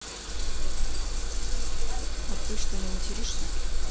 а ты что не материшься